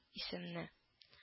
Исемне